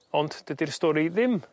Ond dydi'r stori ddim